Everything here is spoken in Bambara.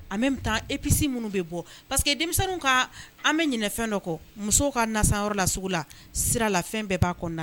An bɛ taa epsi minnu bɛ bɔ pa que denmisɛnnin ka an bɛ ɲ fɛn dɔ kɔ musow ka nayɔrɔ la sugu la sira la fɛn bɛɛ b'a kɔnɔ na